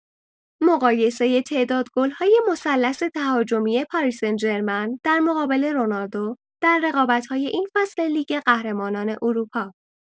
مقایسه تعداد گل‌های مثلث تهاجمی پاری‌سن‌ژرمن در مقابل رونالدو در رقابت‌های این فصل لیگ قهرمانان اروپا